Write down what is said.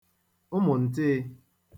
ụmụ̀ǹtịị̄